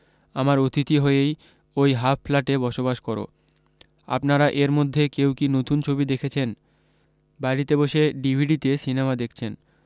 আমার অতিথি হয়েই ওই হাফ ফ্ল্যাটে বসবাস করো আপনারা এর মধ্যে কেউ কী নতুন ছবি দেখেছেন বাড়ীতে বসে ডিভিডিতে সিনেমা দেখছেন